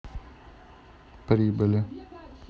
прибыли